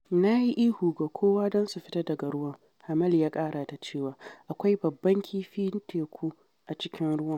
“Na yi ihu ga kowa don su fita daga ruwan. Hammel ya ƙara da cewa, ‘Akwai babban kifin teku a cikin ruwan!”